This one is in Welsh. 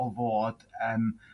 o fod eem